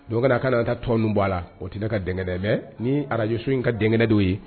Dɔ ka na an ka taa tɔn ninnu bɔ a la o tɛ ne ka danɲaniya ye mais ni radio so in ka danŋaniyani de ye o ye.